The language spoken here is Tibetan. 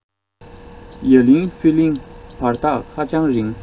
ཡ གླིང ཧྥེ གླིང བར ཐག ཧ ཅང རིང